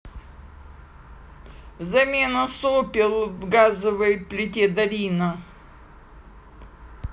замена сопел в газовой плите дарина